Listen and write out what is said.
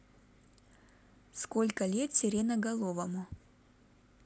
сколько лет сиреноголовому